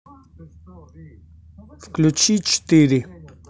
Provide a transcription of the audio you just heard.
включи четыре